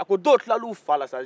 a ko dɔw tilala u fa la sa